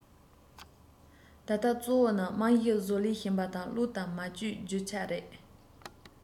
ད ལྟ གཙོ བོ ནི རྨང གཞིའི བཟོ ལས ཞན པ དང གློག དང མ བཅོས རྒྱུ ཆ མེད